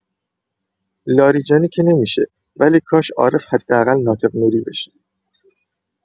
لاریجانی که نمی‌شه ولی کاش عارف حداقل ناطق نوری بشه!